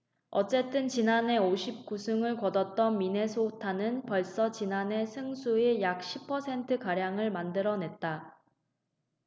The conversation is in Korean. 어쨌든 지난해 오십 구 승를 거뒀던 미네소타는 벌써 지난해 승수의 약 십 퍼센트가량을 만들어냈다